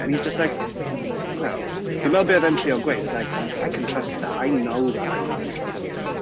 And he's just like "No". Fi'n meddwl be oedd e'n trio gweud is like "I can trust her I know that I'm not in trouble here".